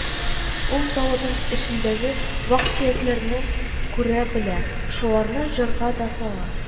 Ул завод эчендәге вак-төякләрне күрә белә, шуларны җырга да сала